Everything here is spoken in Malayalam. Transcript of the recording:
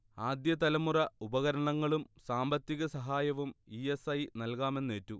ആദ്യതലമുറ ഉപകരണങ്ങളും സാമ്പത്തികസഹായവും ഇ എസ് എ നൽകാമെന്നേറ്റു